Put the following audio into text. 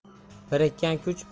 birikkan kuch kuch